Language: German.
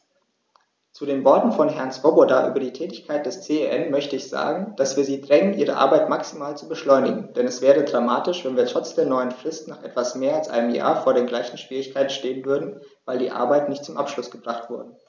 Zu den Worten von Herrn Swoboda über die Tätigkeit des CEN möchte ich sagen, dass wir sie drängen, ihre Arbeit maximal zu beschleunigen, denn es wäre dramatisch, wenn wir trotz der neuen Frist nach etwas mehr als einem Jahr vor den gleichen Schwierigkeiten stehen würden, weil die Arbeiten nicht zum Abschluss gebracht wurden.